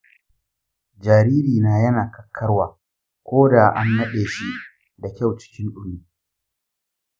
jaririna yana kakkarwa ko da an naɗe shi da kyau cikin ɗumi.